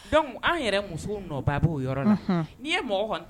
Dɔnku an yɛrɛ musow nɔbaa bɛo yɔrɔ na n'i ye mɔgɔ